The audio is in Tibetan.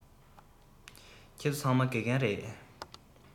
ཁྱེད ཚོ ཚང མ དགེ རྒན རེད